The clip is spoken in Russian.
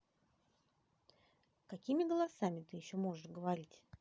какими голосами ты еще можешь говорить